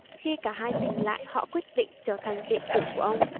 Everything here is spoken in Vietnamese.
khi cả hai tỉnh lại họ quyết định trở thành đệ tử của ông